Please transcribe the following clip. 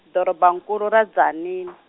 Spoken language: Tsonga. doroba nkulu ra Tzaneen .